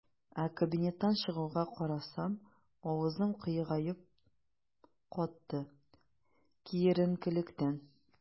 Ә кабинеттан чыгуга, карасам - авызым кыегаеп катты, киеренкелектән.